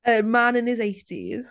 A man in his eighties.